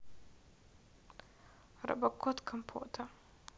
робокот компота